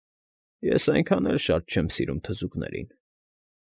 Ես այնքան էլ շատ չեմ սիրում թզուկներին։